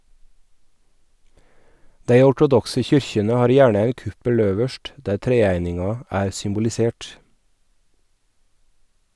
Dei ortodokse kyrkjene har gjerne ein kuppel øverst, der treeininga er symbolisert.